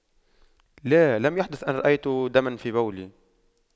لا لم يحدث أن رأيت دما في بولي